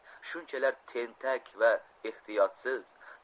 shunchalar tentak va ehtiyotsiz